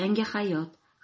yangi hayot